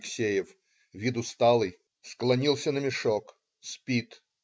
Алексеев, вид усталый, склонился на мешок, спит.